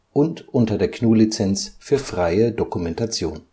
und unter der GNU Lizenz für freie Dokumentation